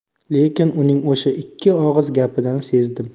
lekin uning o'sha ikki og'iz gapidan sezdim